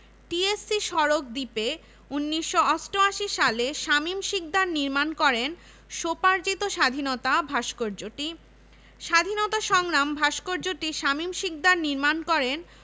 অধ্যাপক মফিজ উদ দীন আহমেদ রসায়ন বিভাগ বিজ্ঞান ও প্রযুক্তি বিদ্যা ১৯৮৬ আমিনুল ইসলাম চারুকলা অনুষদ চারুকলা ১৯৮৮